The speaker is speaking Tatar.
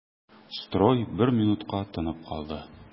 Строй бер минутка тынып калды.